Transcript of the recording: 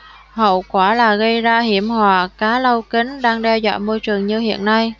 hậu quả là gây ra hiểm họa cá lau kính đang đe dọa môi trường như hiện nay